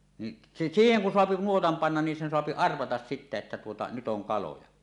niin - siihen kun saa nuotan panna niin sen saa arvata sitten että tuota nyt on kaloja